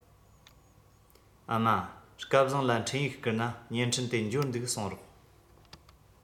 ཨ མ སྐལ བཟང ལ འཕྲིན ཡིག བསྐུར ན བརྙན འཕྲིན དེ འབྱོར འདུག གསུངས རོགས